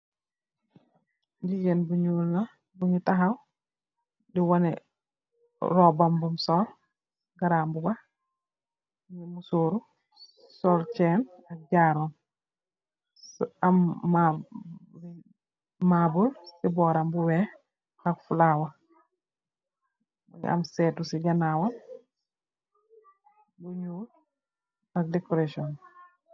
Jigéen bu ñuul la, mu ngi taxaw, di wane, roobam bum sol, grambuba, sol ceen ak jaaru, am maabul si bóoram, ak fallawo, nga am séétu, lu ñuul ak dekoreeson.